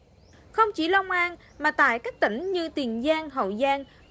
không chỉ long an mà tại các tỉnh như tiền giang hậu giang